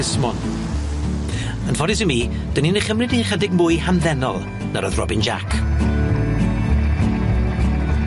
plismon. Yn ffodus i mi, 'dan ni'n ei chymryd hi'n chydig mwy hamddenol na ro'dd Robin Jac.